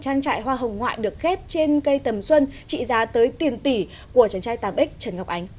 trang trại hoa hồng ngoại được ghép trên cây tầm xuân trị giá tới tiền tỷ của chàng trai tám ích trần ngọc ánh